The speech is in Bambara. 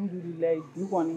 Du la kɔni